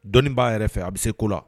Dɔni b'a yɛrɛ fɛ a bɛ se ko la